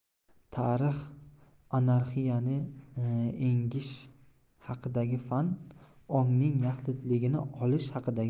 tarix anarxiyani engish haqidagi fan ongning yaxlitligini olish haqidagi fan